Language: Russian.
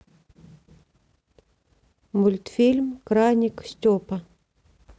мультфильм краник степа